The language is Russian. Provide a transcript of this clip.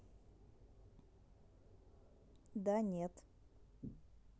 да нет